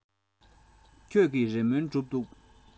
ཁྱེད ཀྱི རེ སྨོན སྒྲུབ འདུག